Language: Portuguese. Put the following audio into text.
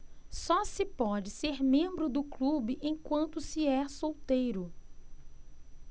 só se pode ser membro do clube enquanto se é solteiro